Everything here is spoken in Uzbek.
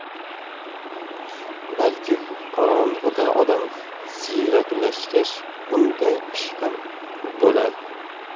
balki qorong'ida odam siyraklashgach unday ish ham bo'lar